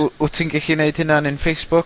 W- wt ti'n gellu neud hynna'n un Facebook?